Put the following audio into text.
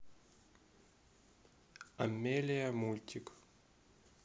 амелия мультик